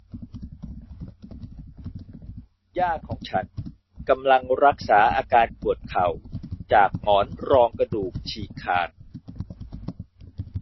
ย่าของฉันกำลังรักษาอาการปวดเข่าจากหมอนรองกระดูกฉีดขาด